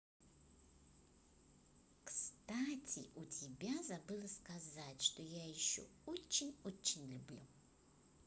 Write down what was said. кстати у тебя забыла сказать что я еще очень очень люблю